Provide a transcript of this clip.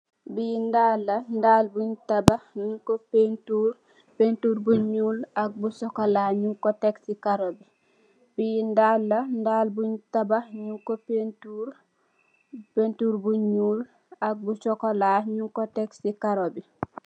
Bi ndal la, ndal buñ tabax ñiñ ko pentur pentur bu ñuul ak bu sokola ñiñ ko tek ci karó bi.